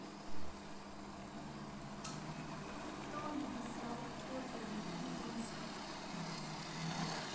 кто написал оперу тоска